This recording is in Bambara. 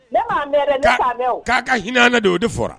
'a ka hinɛinɛ de o de fɔra